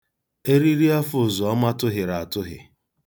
Eriri afọ Ụzọma tụhịrị atụhị.